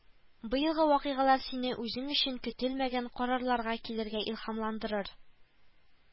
Быелгы вакыйгалар сине үзең өчен көтелмәгән карарларга килергә илһамландырыр